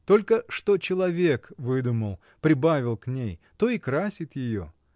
Только что человек выдумал, прибавил к ней — то и красит ее.